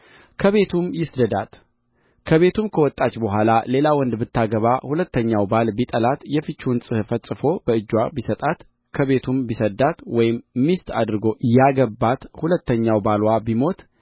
ከቤቱም ከወጣች በኋላ ሌላ ወንድ ብታገባ ሁለተኛውም ባል ቢጠላት የፍችዋንም ጽሕፈት ጽፎ በእጅዋ ቢሰጣት ከቤቱም ቢሰድዳት ወይም ሚስት አድርጎ ያገባት ሁለተኛው ባልዋ ቢሞት